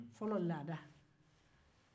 fɔlɔ laada